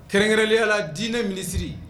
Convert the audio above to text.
Kɛrɛnkɛrɛnnenya la diinɛ minisiri